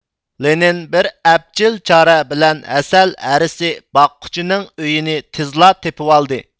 لېنىن بىر ئەپچىل چارە بىلەن ھەسەل ھەرىسى باققۇچىنىڭ ئۆيىنى تېزلا تېپىۋالدى